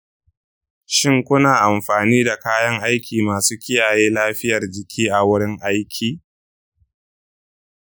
shin kuna amfani da kayan aiki masu kiyaye lafiyar jiki a wurin aiki?